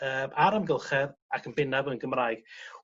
yy a'r amgylchedd ac yn bennaf yn Gymraeg.